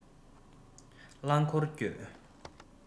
རླང འཁོར བསྐྱོད